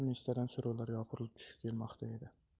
nechtadan suruvlar yopirilib tushib kelmoqda edi